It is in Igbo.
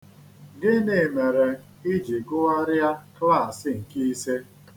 Gịnị mere i ji gụgharịa klaasị nke ise?